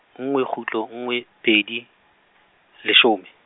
nngwe kgutlo nngwe, pedi, leshome.